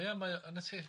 Ie mae o yn y tŷ.